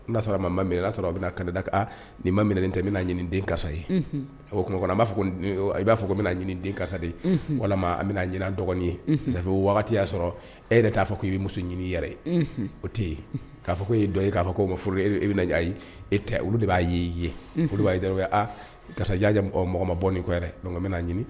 N'a sɔrɔ ma min'a sɔrɔ bɛ kada ka nin ma minɛ tɛ bɛna ɲini den karisasa ye b'a fɔ i b'a fɔ bɛna den karisa de walima a bɛna ɲinin dɔgɔnin ye y'a sɔrɔ e yɛrɛ t'a fɔ k'i bɛ muso ɲini yɛrɛ o tɛ yen k'a fɔ ko e dɔn e'a fɔ e bɛna e tɛ olu de b'a ye' ye mɔgɔ ma bɔ nin ɲini